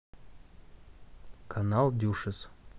канал дюшес